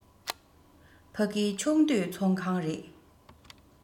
ཕ གི ཕྱོགས བསྡུས ཚོགས ཁང རེད